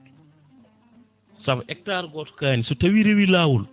saabu hectare goto kaani so tawi reewi lawol